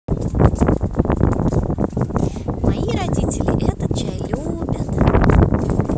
мои родители этот чай любят